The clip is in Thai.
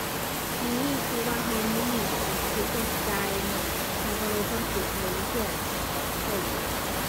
มี เพราะว่าเรามีหนี้สินที่ต้องจ่ายเนาะ เราเราเลยต้องเก็บเงินเพื่อเราหนี้